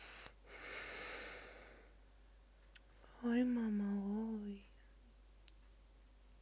ой мама ой